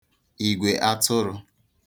ìgwèatụrụ̄